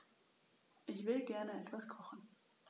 Ich will gerne etwas kochen.